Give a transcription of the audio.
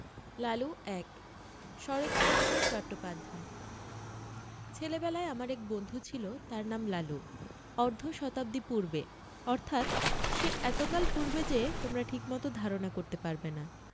লালু ১ শরৎচন্দ্র চট্টোপাধ্যায় ছেলেবেলায় আমার এক বন্ধু ছিল তার নাম লালু অর্ধ শতাব্দী পূর্বে অর্থাৎ সে এতকাল পূর্বে যে তোমরা ঠিকমত ধারণা করতে পারবে না